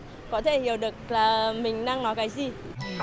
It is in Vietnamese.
có thể hiểu được là mình đang nói cái gì